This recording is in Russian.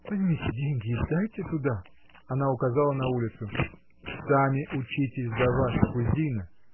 — Возьмите деньги и дайте туда. Она указала на улицу. — Сами учитесь давать, кузина